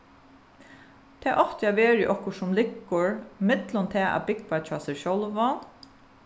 tað átti at verið okkurt sum liggur millum tað at búgva hjá sær sjálvum